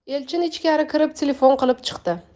elchin ichkari kirib telefon qilib chiqdi